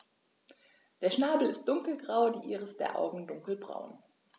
Der Schnabel ist dunkelgrau, die Iris der Augen dunkelbraun.